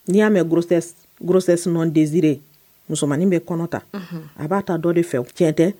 N'i y'a mɛn grossesse non desirée musomanin bɛ kɔnɔta, unhun, a b'a ta dɔ de fɛ , tiɲɛn tɛ?.